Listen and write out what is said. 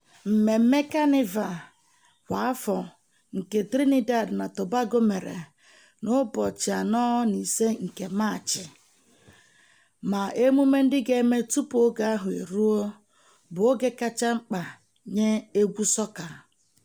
Mmemme Kanịva kwa afọ nke Trinidad na Tobago mere na n'ụbọchị 4 na 5 nke Maachị, ma emume ndị ga-eme tupu oge ahụ eruo bụ oge kacha mkpa nye egwu sọka.